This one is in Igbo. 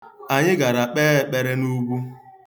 Anyị gara kpee ekpere n'ugwu.